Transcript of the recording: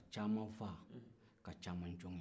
ka caman faa ka caman jogin